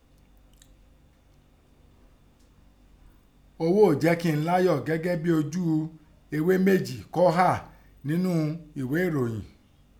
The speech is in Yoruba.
Oghó òó jẹ́ kẹ́ mi láyọ̀ gẹ́gẹ́ bẹ́n ojú eghé méjì kọ́ hà únnú ẹ̀ghé ẹ̀ròyìn.